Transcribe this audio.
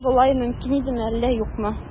Болай мөмкин идеме, әллә юкмы?